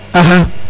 axa